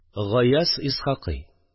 Гаяз Исхакый